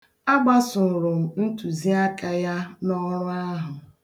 A gbasooro m ntụziaka ya n'ọrụ ahụ.